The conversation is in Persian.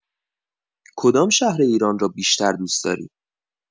کدام شهر ایران را بیشتر دوست‌داری؟